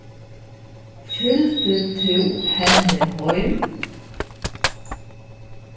fylgdi tú henni heim